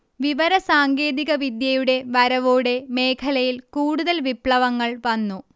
വിവരസാങ്കേതികവിദ്യയുടെ വരവോടെ മേഖലയിൽ കൂടുതൽ വിപ്ലവങ്ങൾ വന്നു